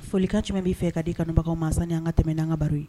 Foli ka caman bɛ fɛ ka di' kanubagaw mansa an ka tɛmɛga baro ye